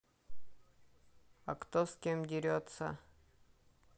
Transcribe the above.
а кто с кем дерется